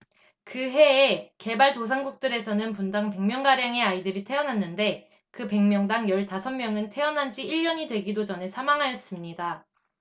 그 해에 개발도상국들에서는 분당 백 명가량의 아이들이 태어났는데 그 백 명당 열 다섯 명은 태어난 지 일 년이 되기도 전에 사망하였습니다